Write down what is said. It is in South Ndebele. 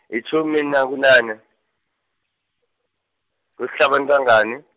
itjhumi nakunane, kuSihlabantangana.